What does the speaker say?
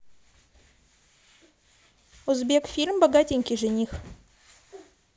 узбек фильм богатенький жених